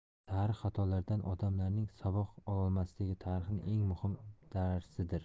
tarix xatolaridan odamlarning saboq ololmasligi tarixning eng muhim darsidir